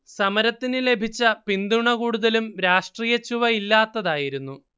സമരത്തിന് ലഭിച്ച പിന്തുണ കൂടുതലും രാഷ്ട്രീയച്ചുവ ഇല്ലാത്തതായിരുന്നു